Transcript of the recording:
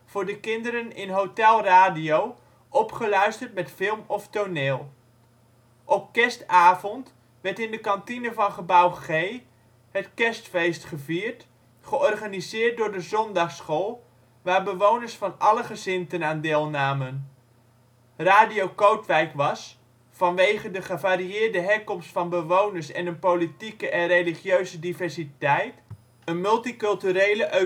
voor de kinderen in Hotel Radio, opgeluisterd met film of toneel. Op kerstavond werd in de kantine van Gebouw G het kerstfeest gevierd, georganiseerd door de zondagsschool, waar bewoners van alle gezindten aan deelnamen. Radio Kootwijk was (vanwege de gevarieerde herkomst van bewoners en hun politieke en religieuze diversiteit) een multiculturele oecumenische